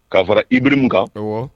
Ka fara Ibirim kan, awɔ.